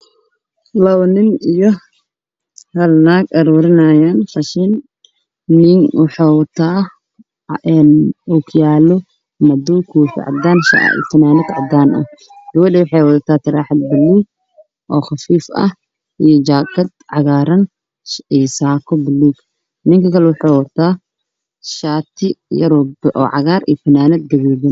Waa labo nin iyo hal gabar ah oo aruurinaayan qashin